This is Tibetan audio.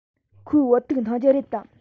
ཁོས བོད ཐུག འཐུང རྒྱུ རེད དམ